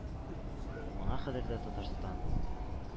– моңа кадәр дә татарстан